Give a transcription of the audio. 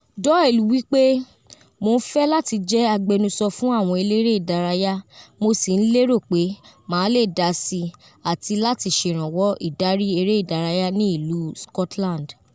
Doyle wi pe: “Mo n fẹ lati jẹ agbẹnusọ fun awọn elere idaraya mo si n lero pe maa le dasi ati lati seranwọ idari ere idaraya ni ilu Scotland.”